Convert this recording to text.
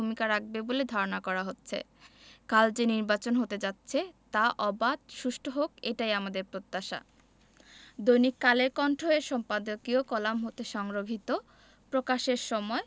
vote bank হিসেবে ভূমিকা রাখবে বলে ধারণা করা হচ্ছে কাল যে নির্বাচন হতে যাচ্ছে তা অবাধ সুষ্ঠু হোক এটাই আমাদের প্রত্যাশা দৈনিক কালের কণ্ঠ এর সম্পাদকীয় কলাম হতে সংগৃহীত